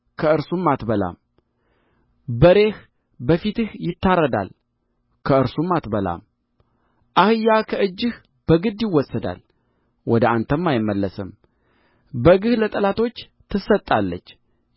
ከእርሱም አትበላም በሬህ በፊትህ ይታረዳል ከእርሱም አትበላም አህያህ ከእጅህ በግድ ይወሰዳል ወደ አንተም አይመለስም በግህ ለጠላቶችህ ትሰጣለች